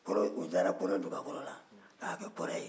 o de tun dara kɔrɛ dugakɔrɔ la k'a kɛ kɔrɛ ye